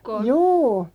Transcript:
juu